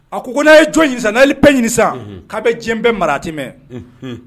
A ko n'a ye jo ɲini sisan n'a bɛ _paix ɲini sian, unhun, k'a bɛ diɲɛ bɛɛ mara a tɛ mɛn, unhun